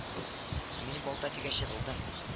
Мин балта тигәч егылдым